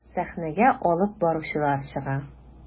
Сәхнәгә алып баручылар чыга.